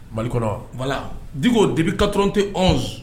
Mali kɔnɔ voila Diko depuis 91